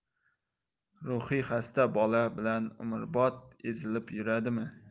ruhiy xasta bola bilan umrbod ezilib yuradimi